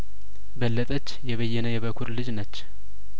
በለጠች የበየነ የበኩር ልጅነች